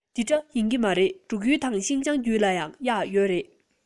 དེ འདྲ ཡིན གྱི མ རེད འབྲུག ཡུལ དང ཤིན ཅང རྒྱུད ལ ཡང གཡག ཡོད རེད